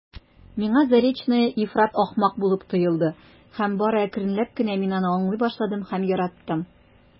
Миңа Заречная ифрат ахмак булып тоелды һәм бары әкренләп кенә мин аны аңлый башладым һәм яраттым.